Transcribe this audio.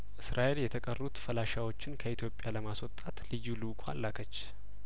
እስራኤል የተቀሩት ፈላሻዎችን ከኢትዮጵያ ለማስወጣት ልዩ ልኡኳን ላከች